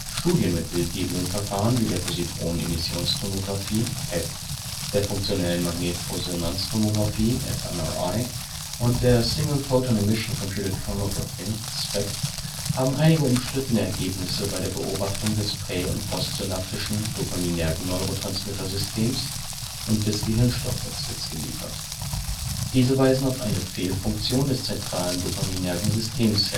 Studien mit bildgebenden Verfahren wie der Positronen-Emissionstomographie (PET), der funktionellen Magnetresonanztomographie (fMRI) und der Single Photon Emission Computed Tomography (SPECT) haben einige umstrittene Ergebnisse bei der Beobachtung des prä - und postsynaptischen dopaminergen Neurotransmittersystems und des Gehirnstoffwechsels geliefert. Diese weisen auf eine Fehlfunktion des zentralen dopaminergen Systems